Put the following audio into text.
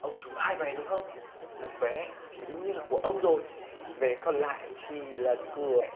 ông trúng hai vé đúng không một vé thì đương nhiên là của ông rồi vé còn lại thì là của